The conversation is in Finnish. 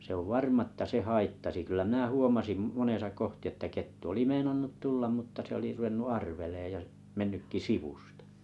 se on varma että se haittasi kyllä minä huomasin monessa kohdin että kettu oli meinannut tulla mutta se oli ruvennut arvelemaan ja mennytkin sivusta